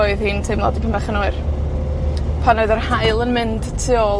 oedd hi'n teimlo dipyn bach yn oer. Pan oedd yr haul yn mynd tu ôl